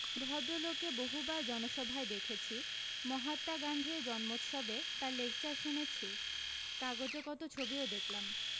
ভদ্রলোককে বহুবার জনসভায় দেখেছি মহাত্মা গান্ধীর জন্মোতসবে তার লেকচার শুনেছি কাগজে কত ছবিও দেখলাম